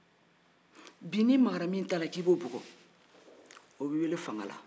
bi n'i magara min ta k'i b'o bugɔ o b'i weele fanga